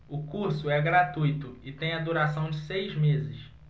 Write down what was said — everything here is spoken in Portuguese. o curso é gratuito e tem a duração de seis meses